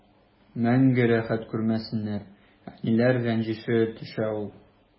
Мәңге рәхәт күрмәсеннәр, әниләр рәнҗеше төшә ул.